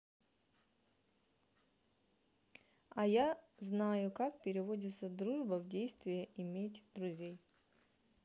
а я знаю как переводится дружба в действие иметь друзей